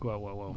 waaw waaw